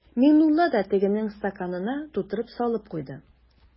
Миңнулла да тегенең стаканына тутырып салып куйды.